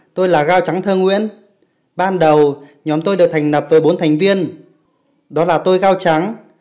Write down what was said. tôi là gao trắng thơ nguyễn ban đầu nhóm tôi được thành lập với thành viên đó là tôi gao trắng